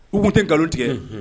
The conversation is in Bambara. U tun tɛ nkalon tigɛ